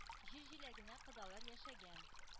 Җир җиләгенә кодалар яшәгән